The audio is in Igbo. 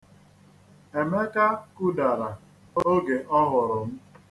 Emeka kudara oge ọ hụrụ m.